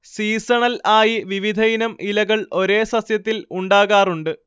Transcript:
seasonal ആയി വിവിധയിനം ഇലകൾ ഒരേ സസ്യത്തിൽ ഉണ്ടാകാറുണ്ട്